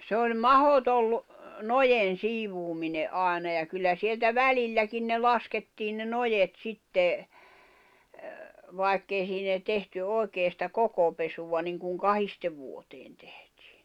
se oli mahdoton noiden siivoaminen aina ja kyllä sieltä välilläkin ne laskettiin ne noet sitten vaikka ei siinä ei tehty oikein sitä kokopesua niin kuin kahdesti vuoteen tehtiin